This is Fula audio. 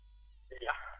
Dia